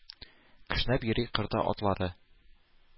Кешнәп йөри кырда атлары,